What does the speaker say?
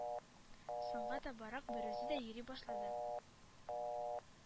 Соңга табарак берүзе дә йөри башлады.